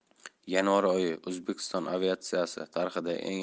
yanvar oyi o'zbekiston aviatsiyasi tarixidagi